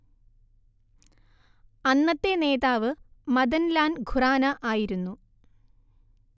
അന്നത്തെ നേതാവ് മദൻ ലാൻ ഖുറാന ആയിരുന്നു